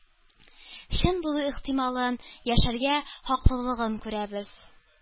Чын булу ихтималын, яшәргә хаклылыгын күрәбез.